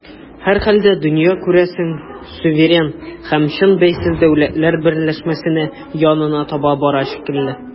Һәрхәлдә, дөнья, күрәсең, суверен һәм чын бәйсез дәүләтләр берләшмәсенә янына таба бара шикелле.